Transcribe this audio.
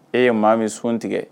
E ye maa min tigɛ